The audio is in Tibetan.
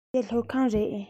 འདི སློབ ཁང རེད